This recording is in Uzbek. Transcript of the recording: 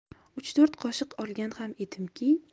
uch to'rt qoshiq olgan ham edimki